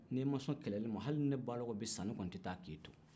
n'i ma sɔn kɛlɛli ma hali ni ne balɔbɔ bɛ sa ne kɔnin tɛ taa k'e to